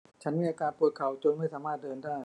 ฉันมีอาการปวดเข่าจนไม่สามารถเดินได้